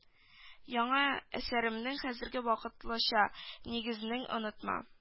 Яңа әсәремнең хәзергә вакытлыча нигезеңне онытма